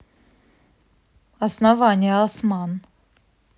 основание осман